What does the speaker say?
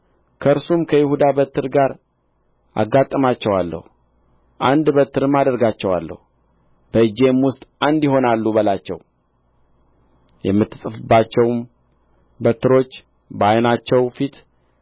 ከእርሱም ከይሁዳ በትር ጋር አጋጥማቸዋለሁ አንድ በትርም አደርጋቸዋለሁ በእጄም ውስጥ አንድ ይሆናሉ በላቸው የምትጽፍባቸውም በትሮች በዓይናቸው ፊት